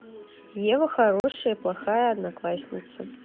ева хорошая и плохая одноклассница